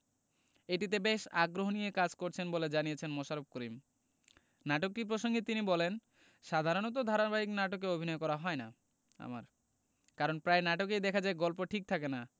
এটিতে বেশ আগ্রহ নিয়ে কাজ করছেন বলে জানিয়েছেন মোশাররফ করিম নাটকটি প্রসঙ্গে তিনি বলেন সাধারণত ধারাবাহিক নাটকে অভিনয় করা হয় না আমার কারণ প্রায় নাটকেই দেখা যায় গল্প ঠিক থাকে না